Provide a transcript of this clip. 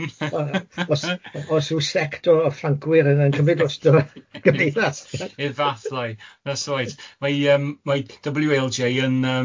...Os ryw os os ryw sector o Ffrancwyr yna'n cymryd drostodd y Gymdeithas i'r fath lai, that's right mae yym mae double-you el jay yn yym